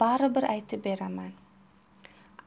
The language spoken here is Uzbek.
baribir aytib beraman